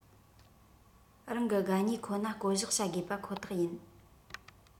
རང གི དགའ ཉེ ཁོ ན བསྐོ གཞག བྱ དགོས པ ཁོ ཐག ཡིན